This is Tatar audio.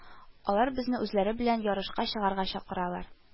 Алар безне үзләре белән ярышка чыгарга чакыралар